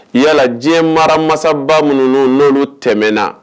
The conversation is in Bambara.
Yala jiɲɛ maramasaba minnu nolu tɛmɛna